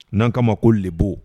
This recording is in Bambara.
N'an kama ma ko lebbo